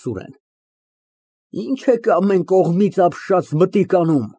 ՍՈՒՐԵՆ ֊ Էհ՞, ի՞նչ եք ամեն կողմից ապշած մտիկ անում։